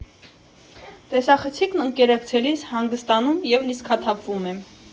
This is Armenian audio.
Տեսախցիկին ընկերակցելիս հանգստանում և լիցքաթափվում եմ։